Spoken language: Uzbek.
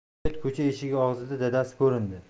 nihoyat ko'cha eshigi og'zida dadasi ko'rindi